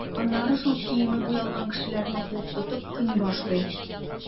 Аннары шул киеме буялган кешеләрне куып тотып, кыйный башлый.